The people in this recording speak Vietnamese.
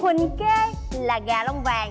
quỳnh kê là gà lông vàng